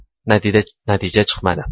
natija chiqmadi